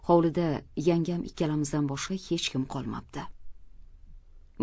hovlida yangam ikkalamizdan boshqa hech kim qolmabdi